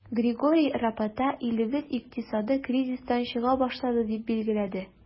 Григорий Рапота, илебез икътисады кризистан чыга башлады, дип билгеләде.